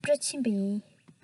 ང སློབ གྲྭར ཕྱིན པ ཡིན